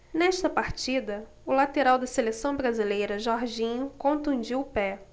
nesta partida o lateral da seleção brasileira jorginho contundiu o pé